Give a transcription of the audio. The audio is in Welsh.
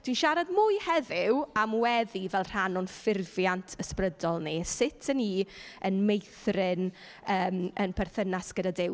Dwi'n siarad mwy heddiw am weddi fel rhan o'n ffurfiant ysbrydol ni. Sut 'y ni yn meithrin yym ein perthynas gyda Duw?